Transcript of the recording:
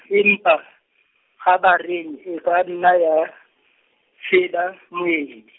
empa, kgabareng e ka nna ya, tshela moedi.